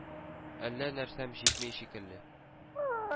Әллә нәрсәм җитми шикелле.